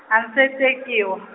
-an sete kiwa.